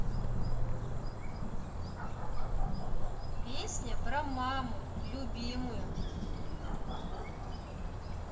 песня про маму любимую